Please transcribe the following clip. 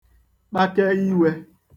kpake iwē